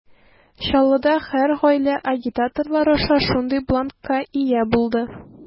Чаллыда һәр гаилә агитаторлар аша шундый бланкка ия булды.